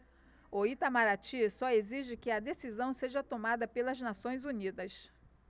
o itamaraty só exige que a decisão seja tomada pelas nações unidas